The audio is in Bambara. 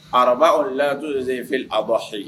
Araba o latɔ de sen fili a bɔ so yen